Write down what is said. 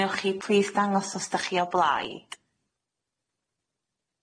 Newch chi plîs dangos os dach chi o blaid?